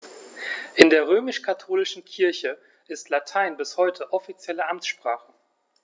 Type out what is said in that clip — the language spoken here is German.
In der römisch-katholischen Kirche ist Latein bis heute offizielle Amtssprache.